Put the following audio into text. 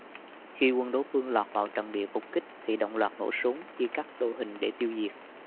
khi quân đối phương lọt vào trận địa phục kích thì đồng loạt nổ súng chia cắt đội hình để tiêu diệt